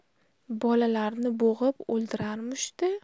bolalarni bo'g'ib o'ldirarmish da